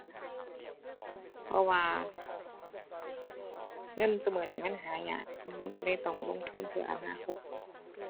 เพราะว่า เงินซุมื้อนี้มันหายาก มันก็เลยต้องลงทุนเพื่ออนาคต